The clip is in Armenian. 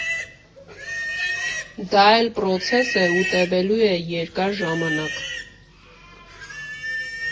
Դա էլ պրոցես է ու տևելու է երկար ժամանակ։